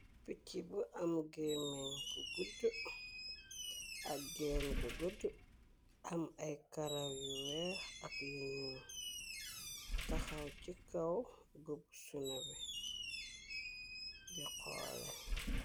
Pichu bu am gémen gu gudd ak genn gu gudd am ay karaw yu weex ak yunu taxaw ci kaw gob suna bi di xoole.